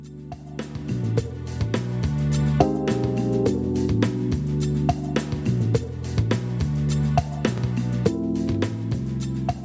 music